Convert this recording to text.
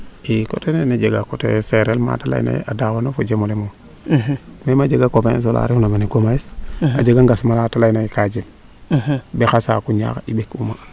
i coté nene jega coté sereer maate leyna yee a daawa no fojemole moom meme a jega copain eso la refna mene Ngomees a jega ngas mala te leyna yee kaa jem bo xa saaqu ñaax i ɓek'uma